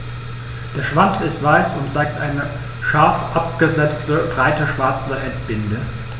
Der Schwanz ist weiß und zeigt eine scharf abgesetzte, breite schwarze Endbinde.